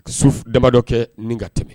Su damabadɔ kɛ nin ka tɛmɛ